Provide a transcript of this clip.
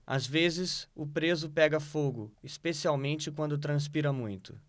às vezes o preso pega fogo especialmente quando transpira muito